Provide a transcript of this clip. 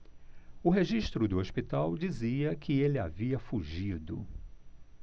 o registro do hospital dizia que ele havia fugido